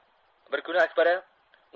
bir kuni akbara